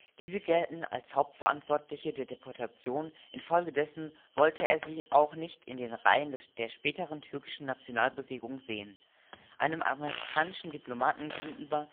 Diese gelten als Hauptverantwortliche der Deportation, in Folge dessen wollte er sie auch nicht in den Reihen der späteren türkischen Nationalbewegung sehen. Einem amerikanischen Diplomaten gegenüber